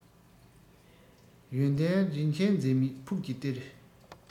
ཡོན ཏན རིན ཆེན འཛད མེད ཕུགས ཀྱི གཏེར